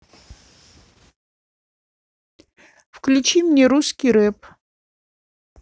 включи мне русский рэп